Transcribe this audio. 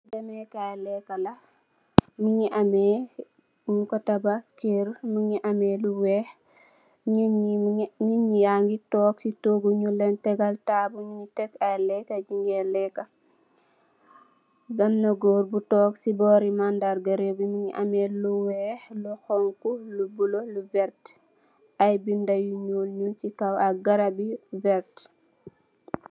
Fii dehmeh kaii lehkah la, mungy ameh njung kor tabakh kerr, mungy ameh lu wekh, nitt njee mungy, nitt yangy tok cii tohgu nung len tegal taabul, njungy tek aiiy lehkah njungeh lehkah, benah gorre bu tok cii bohri mandarr gah rewmi mungy ameh lu wekh, lu honhu, lu bleu, lu vert, aiiy binda yu njull nung cii kaw ak garab yu vert.